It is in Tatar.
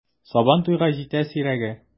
Сабан туйга җитә сирәге!